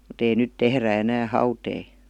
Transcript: mutta ei nyt tehdä enää hauteita